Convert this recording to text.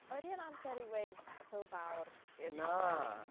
Odi e'n amser i weud hwyl fawr i'r troli?